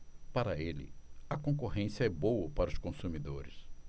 para ele a concorrência é boa para os consumidores